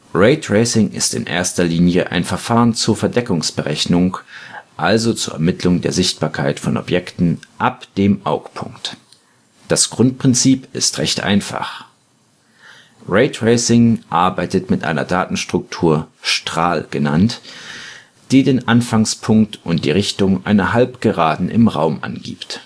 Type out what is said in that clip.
Raytracing ist in erster Linie ein Verfahren zur Verdeckungsberechnung, also zur Ermittlung der Sichtbarkeit von Objekten ab dem Augpunkt. Das Grundprinzip ist recht einfach. Raytracing arbeitet mit einer Datenstruktur, Strahl genannt, die den Anfangspunkt und die Richtung einer Halbgeraden im Raum angibt